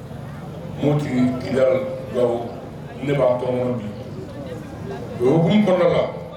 Mu tigi ki ga ne b'a ban bi ukun kɔnɔ